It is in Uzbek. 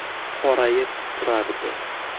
qorayib turardi